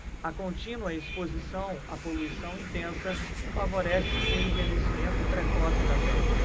a contínua exposição à poluição intensa favorece o envelhecimento precoce da pele